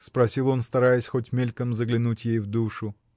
— спросил он, стараясь хоть мельком заглянуть ей в душу.